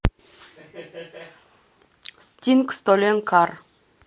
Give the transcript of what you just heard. стинг столен кар